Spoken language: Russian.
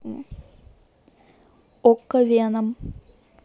окко веном